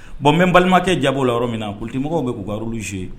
Bon n bɛ balimakɛ jaabi o la yɔrɔ min na politique mɔgɔw bɛ k’u ka rôle joué .